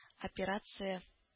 Операция